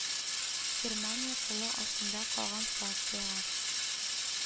Германия кулы астында калган Франциягә,